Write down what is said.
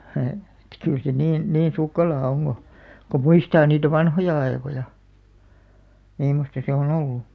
- että kyllä se niin niin sukkelaa on kun kun muistaa niitä vanhoja aikoja mimmoista se on ollut